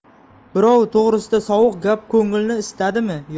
birov to'g risida sovuq gap ko'ngilni isitadimi yo